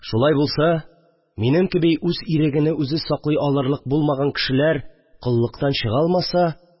Шулай булса, минем кеби үз ирегене үзе саклый алырлык булмаган кешеләр коллыктан чыга алмаса